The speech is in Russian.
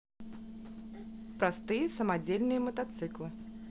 простые самодельные мотоциклы